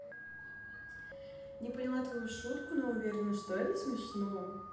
не поняла твою шутку но уверенна что это смешно